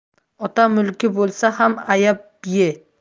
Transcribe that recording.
ota mulki bo'lsa ham ayab ye